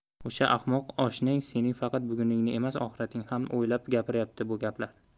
o'sha ahmoq oshnang sening faqat buguningni emas oxiratingni ham o'ylab gapiryapti bu gaplarni